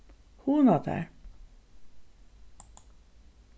hugna tær